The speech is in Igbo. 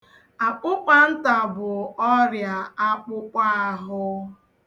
Akpụkpanta bụ ọrịa akpụkpọahụ.